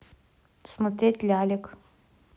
смотреть лялек